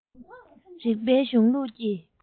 རིག པའི གཞུང ལུགས ཀྱི